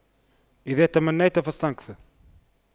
إذا تمنيت فاستكثر